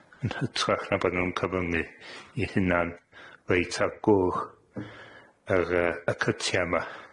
yn hytrach na bod nw'n cyfyngu 'u hunan reit ar gwr' yr yy y cytia' 'ma.